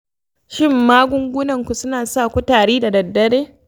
shin magungunan ku suna saku tari da daddare?